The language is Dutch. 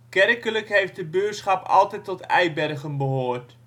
Kerkelijk heeft de buurschap altijd tot Eibergen behoord